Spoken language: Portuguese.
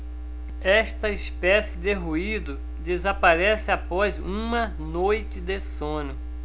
esta espécie de ruído desaparece após uma noite de sono